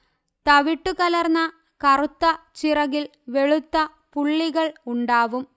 തവിട്ടുകലർന്ന കറുത്ത ചിറകിൽ വെളുത്ത പുള്ളികൾ ഉണ്ടാവും